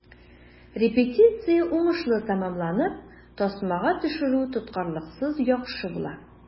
Репетиция уңышлы тәмамланып, тасмага төшерү тоткарлыксыз яхшы була.